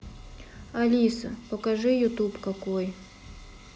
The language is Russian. алиса покажи ютуб какой